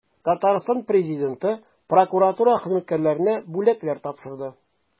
Татарстан Президенты прокуратура хезмәткәрләренә бүләкләр тапшырды.